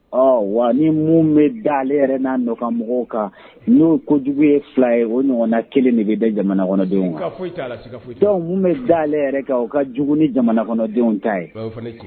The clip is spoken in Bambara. Wa ni bɛ dalen yɛrɛ na ka mɔgɔw kan n'o ye ko jugu ye fila ye o ɲɔgɔn na kelen de bɛ da jamana kɔnɔdenw bɛ yɛrɛ kan u ka jugu ni jamana kɔnɔdenw ta